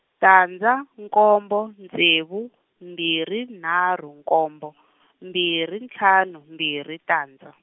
tandza nkombo ntsevu mbirhi nharhu nkombo , mbirhi ntlhanu mbirhi tandza.